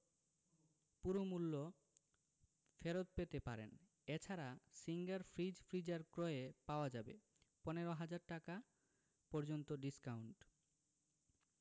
পুরো মূল্য ফেরত পেতে পারেন এ ছাড়া সিঙ্গার ফ্রিজ ফ্রিজার ক্রয়ে পাওয়া যাবে ১৫ ০০০ টাকা পর্যন্ত ডিসকাউন্ট